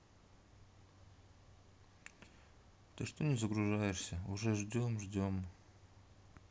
ты что не загружаешься уже ждем ждем